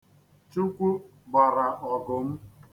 Chukwu gbara ọgụ m.